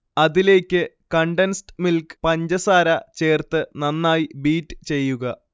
അതിലേക്ക് condensed milk, പഞ്ചസാര ചേർത്ത് നന്നായി ബീറ്റ് ചെയ്യുക